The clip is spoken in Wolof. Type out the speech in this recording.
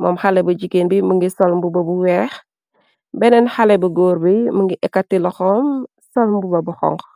moom xale bi jigéen bi mingi sol mbuba bu weex benneen xalé bi góor bi mungi ekati loxoom sol mbuba bu xonxo.